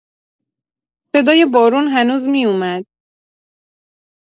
صدای بارون هنوز می‌اومد.